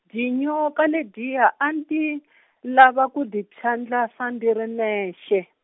dyinyoka ledyiya a ndzi , lava ku dyi phyandlasa ndzi ri ndzexe.